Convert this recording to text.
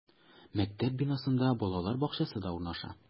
Мәктәп бинасында балалар бакчасы да урнаша.